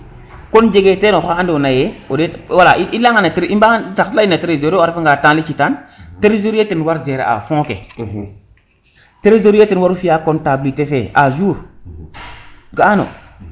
kon jege ten oxa ando naye o ndet wala i leya nga no tresorier a refa nga temps le ci tan tresoriers ten war gérer a fonds ke tresorier ten waru fiya comptablité fe a jour ga'ano